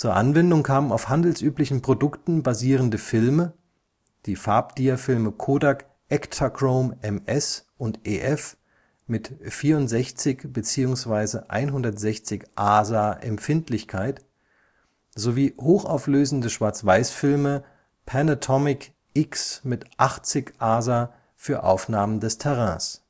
Anwendung kamen auf handelsüblichen Produkten basierende Filme, die Farbdiafilme Kodak Ektachrome MS und EF mit 64 beziehungsweise 160 ASA Empfindlichkeit sowie hochauflösende Schwarzweißfilme Panatomic-X mit 80 ASA für Aufnahmen des Terrains